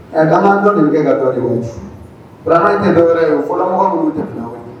Ka dɔ min kɛ ka dɔ ɲɔgɔn bara ɲɛ dɔɛrɛ ye o fɔlɔ mɔgɔ minnu tɛm